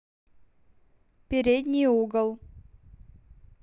передний угол